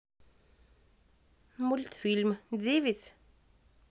мультфильм девять